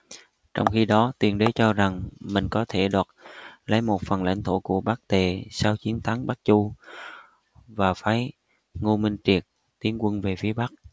trong khi đó tuyên đế cho rằng mình có thể đoạt lấy một phần lãnh thổ của bắc tề sau chiến thắng của bắc chu và phái ngô minh triệt tiến quân về phía bắc